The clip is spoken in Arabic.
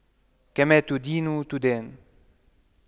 كما تدين تدان